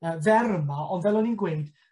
yy fer yma on' fel o'n i'n gweud